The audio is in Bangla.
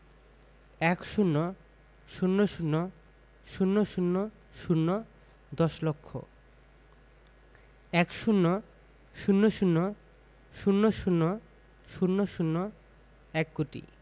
১০০০০০০ দশ লক্ষ ১০০০০০০০ এক কোটি